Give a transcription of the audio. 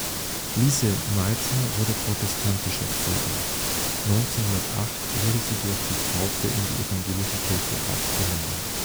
Lise Meitner wurde protestantisch erzogen. 1908 wurde sie durch die Taufe in die evangelische Kirche aufgenommen